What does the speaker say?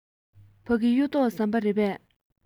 ཕ གི གཡུ ཐོག ཟམ པ རེད པས